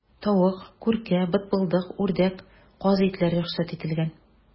Тавык, күркә, бытбылдык, үрдәк, каз итләре рөхсәт ителгән.